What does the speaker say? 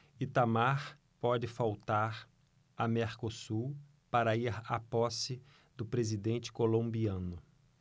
itamar pode faltar a mercosul para ir à posse do presidente colombiano